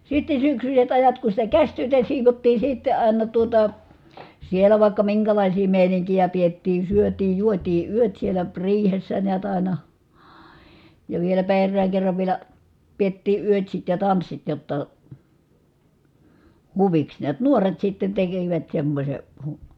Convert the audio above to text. sitten syksyiset ajat kun sitä käsityötä siivottiin sitten aina tuota siellä vaikka minkälaisia meininkiä pidettiin syötiin juotiin yöt siellä riihessä näet aina ja vieläpä erään kerran vielä pidettiin yötsit ja tanssit jotta huviksi näet nuoret sitten tekivät semmoisen -